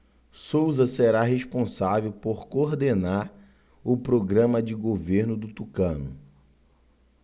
souza será responsável por coordenar o programa de governo do tucano